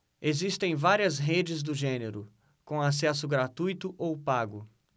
existem várias redes do gênero com acesso gratuito ou pago